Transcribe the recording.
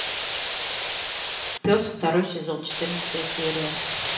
пес второй сезон четырнадцатая серия